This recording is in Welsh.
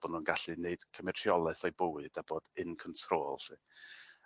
bo' nw'n gallu neud cymryd rheolaeth o'u bywyd a bod in control 'lly.